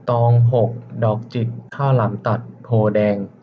ตองหกดอกจิกข้าวหลามตัดโพธิ์แดง